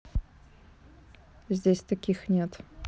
здесь таких нет